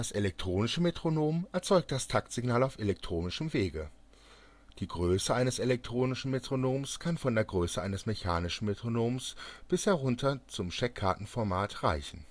elektronische Metronom erzeugt das Taktsignal auf elektronischem Wege. Die Größe eines elektronischen Metronoms kann von der Größe eines mechanischen Metronoms bis herunter zum Scheckkartenformat reichen